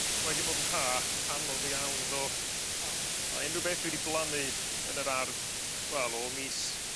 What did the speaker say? ...mae 'di bod yn ha anodd iawn yndo? Hmm do. Ma' unryw beth dwi 'di blannu yn yr ardd, wel o mis